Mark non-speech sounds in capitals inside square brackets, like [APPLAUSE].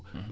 [HESITATION] [HESITATION]